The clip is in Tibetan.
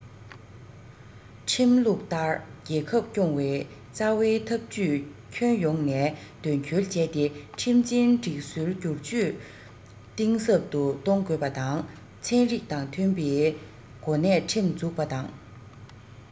ཁྲིམས ལུགས ལྟར རྒྱལ ཁབ སྐྱོང བའི རྩ བའི ཐབས ཇུས ཁྱོན ཡོངས ནས དོན འཁྱོལ བྱས ཏེ ཁྲིམས འཛིན སྒྲིག སྲོལ སྒྱུར བཅོས གཏིང ཟབ ཏུ གཏོང དགོས པ དང ཚན རིག དང མཐུན པའི སྒོ ནས ཁྲིམས འཛུགས པ དང